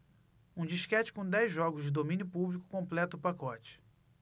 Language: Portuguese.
um disquete com dez jogos de domínio público completa o pacote